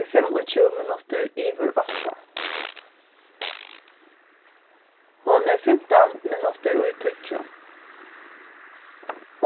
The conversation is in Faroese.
er fimmogtjúgu minuttir yvir átta hon er fimtan minuttir í tíggju